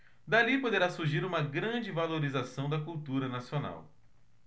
dali poderá surgir uma grande valorização da cultura nacional